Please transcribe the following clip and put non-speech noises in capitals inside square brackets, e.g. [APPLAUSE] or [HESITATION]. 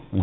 [HESITATION] [HESITATION]